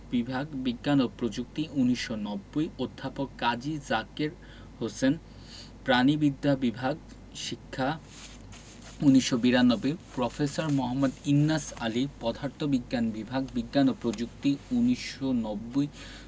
বিভাগ বিজ্ঞান ও প্রযুক্তি ১৯৯০ অধ্যাপক কাজী জাকের হোসেন প্রাণিবিদ্যা বিভাগ শিক্ষা ১৯৯২ প্রফেসর মোঃ ইন্নাস আলী পদার্থবিজ্ঞান বিভাগ বিজ্ঞান ও প্রযুক্তি ১৯৯০